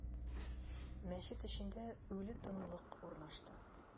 Мәчет эчендә үле тынлык урнашты.